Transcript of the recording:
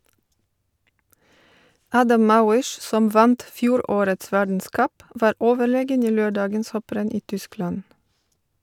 Adam Malysz, som vant fjorårets verdenscup, var overlegen i lørdagens hopprenn i Tyskland.